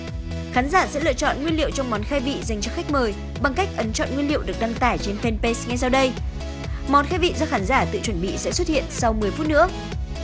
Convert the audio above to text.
khán giả sẽ lựa chọn nguyên liệu cho món khai vị dành cho khách mời bằng cách ấn chọn nguyên liệu được đăng tải trên phen bây ngay sau đây món khai vị do khán giả tự chuẩn bị sẽ xuất hiện sau mười phút nữa